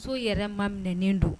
So yɛrɛ maminɛnen don.